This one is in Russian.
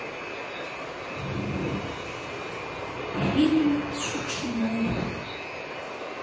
фильмы с шукшиной